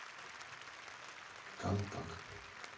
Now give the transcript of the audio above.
колпак